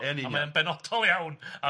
a mae o'n benotol iawn ia.